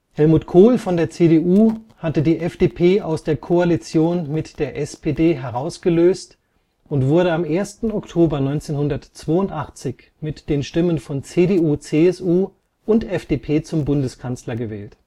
Helmut Kohl von der CDU hatte die FDP aus der Koalition mit der SPD herausgelöst und wurde am 1. Oktober 1982 mit den Stimmen von CDU/CSU und FDP zum Bundeskanzler gewählt